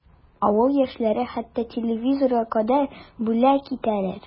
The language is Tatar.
Авыл яшьләре хәтта телевизорга кадәр бүләк иттеләр.